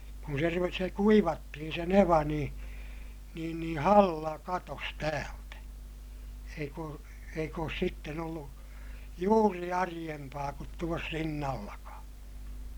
kun se - se kuivattiin se neva niin niin niin halla katosi täältä eikä ole eikä ole sitten ollut juuri arempaa kuin tuossa Rinnallakaan